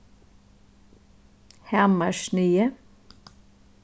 hamarssniðið